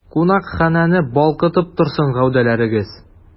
Кунакханәне балкытып торсын гәүдәләрегез!